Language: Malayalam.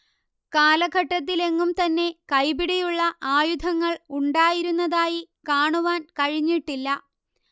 കാലഘട്ടത്തിലെങ്ങും തന്നെ കൈപിടിയുള്ള ആയുധങ്ങൾ ഉണ്ടായിരുന്നതായി കാണുവാൻ കഴിഞ്ഞിട്ടില്ല